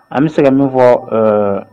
An bɛ se ka min fɔ ɛɛ